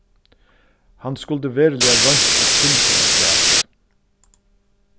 hann skuldi veruliga roynt eitt sindur afturat